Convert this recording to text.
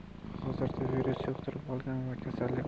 hozirda virus yuqtirib olganlar va kasallik